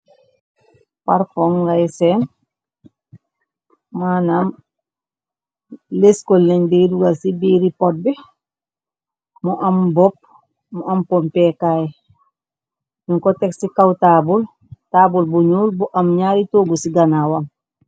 Parfo ngay sèèn manam leskuleñ bi duga ci biiri pot bi mu am bop mu am pompékay ñing ko tèk ci kaw tabul tabul bu ñuul bu am ñaari tóógu ci ganawam.